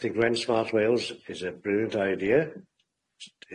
It's I think rent smart Wales is a brilliant idea.